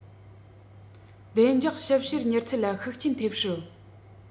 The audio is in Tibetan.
བདེ འཇགས ཞིབ བཤེར མྱུར ཚད ལ ཤུགས རྐྱེན ཐེབས སྲིད